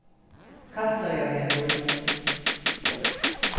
kalsoyarvegur